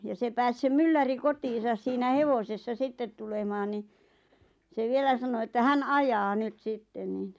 ja se pääsi se mylläri kotiinsa siinä hevosessa sitten tulemaan niin se vielä sanoi että hän ajaa nyt sitten niin